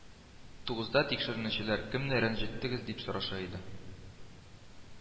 Тугызда тикшеренүчеләр, кемне рәнҗеттегез, дип сораша иде